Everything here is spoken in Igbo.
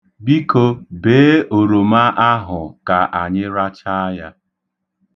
Biko, bee oroma ahụ ka anyị rachaa ya.